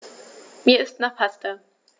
Mir ist nach Pasta.